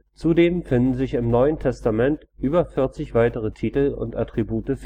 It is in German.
Zudem finden sich im NT über 40 weitere Titel und Attribute